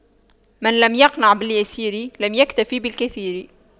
من لم يقنع باليسير لم يكتف بالكثير